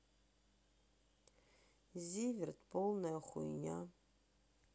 зиверт полная хуйня